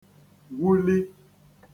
wuli